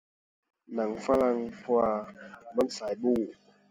หนังฝรั่งเพราะว่ามันสายบู๊